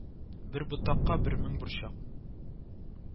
Бер ботакта бер мең борчак